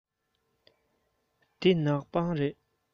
འདི ནག པང རེད